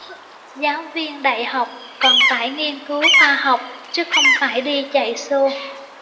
giáo viên đại học còn phải nghiên cứu khoa học chứ không phải đi chạy sô